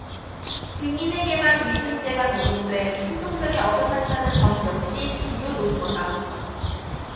증인에게만 위증죄가 적용돼 형평성에 어긋난다는 점 역시 주요 논거다